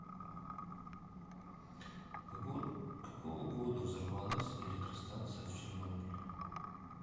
какого года взорвалась электростанция в чернобыль